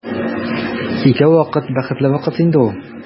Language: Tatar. Икәү вакыт бәхетле вакыт инде ул.